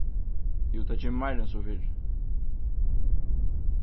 jú tað kemur meira enn so fyri